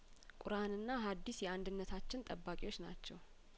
ቁርአንና ሀዲስ የአንድነታችን ጠባቂዎች ናቸው